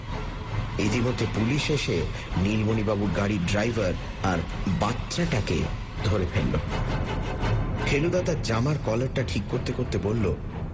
ইতিমধ্যে পুলিশ এসে নীলমণিবাবুর গাড়ির ড্রাইভার আর বাচ্চাটাকে ধরে ফেলল ফেলুদা তার জামার কলারটা ঠিক করতে করতে বলল